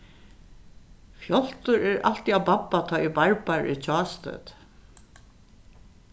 fjáltur er altíð á babba tá ið barbara er hjástødd